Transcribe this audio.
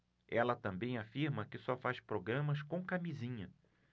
ela também afirma que só faz programas com camisinha